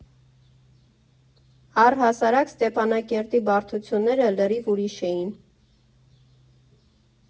Առհասարակ Ստեփանակերտի բարդությունները լրիվ ուրիշ էին։